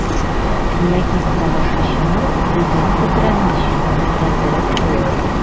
Ләкин тамашачыны үзең тетрәнмичә тетрәндереп булмый.